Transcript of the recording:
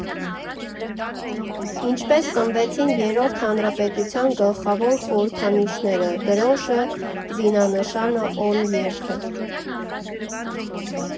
Ինչպես ծնվեցին Երրորդ հանրապետության գլխավոր խորհրդանիշները՝ դրոշը, զինանշանը, օրհներգը։